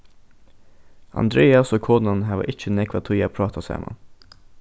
andreas og konan hava ikki nógva tíð at práta saman